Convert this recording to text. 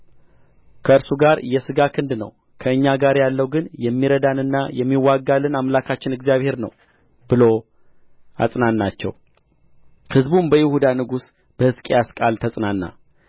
ከእርሱ ጋር የሥጋ ክንድ ነው ከእኛ ጋር ያለው ግን የሚረዳንና የሚዋጋልን አምላካችን እግዚአብሔር ነው ብሎ አጸናናቸው ሕዝቡም በይሁዳ ንጉሥ በሕዝቅያስ ቃል ተጽናና